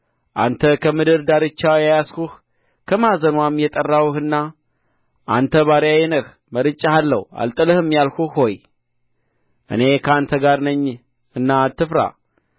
አንተ ከምድር ዳርቻ የያዝሁህ ከማዕዘንዋም የጠራሁህና አንተ ባሪያዬ ነህ መርጬሃለሁ አልጥልህም ያልሁህ ሆይ እኔ ከአንተ ጋር ነኝና አትፍራ